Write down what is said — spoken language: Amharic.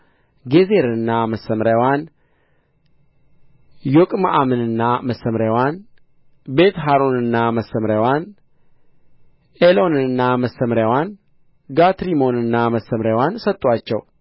ጌዝርንና መሰምርያዋን ዮቅምዓምንና መሰምርያዋን ቤትሖሮንንና መሰምርያዋን ኤሎንንና መሰምርያዋን ጋትሪሞንንና መሰምርያዋን ሰጡአቸው